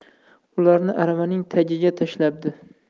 ularni aravaning tagiga tashlabdi